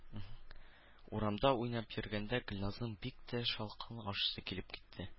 Урамда уйнап йөргәндә Гөльназның бик тә шалкан ашыйсы килеп китте